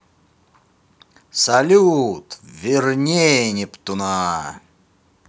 салют вернее нептуна